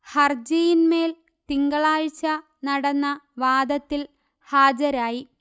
ഹർജിയിൻ മേൽ തിങ്കളാഴ്ച നടന്ന വാദത്തിൽ ഹാജരായി